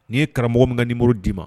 N'i ye karamɔgɔ min ka nii muru d'i ma